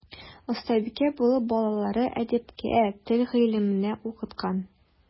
Остабикә булып балаларны әдәпкә, тел гыйлеменә укыткан.